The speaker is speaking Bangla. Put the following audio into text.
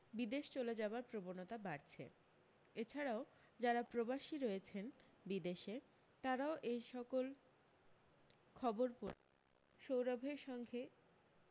বিদেশ চলে যাবার প্রবণতা বাড়ছে এছাড়াও যারা প্রবাশী রয়েছেন বিদেশে তারাও এই সকল খবর পড়ে সৌরভের সংঘে